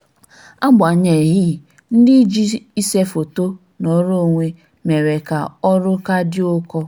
Agbanyeghị, ndị ji ịse foto nnọrọ onwe mere aka ọrụ ka dị ụkọ.